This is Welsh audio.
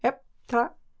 yep tara